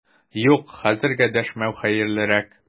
Юк, хәзергә дәшмәү хәерлерәк!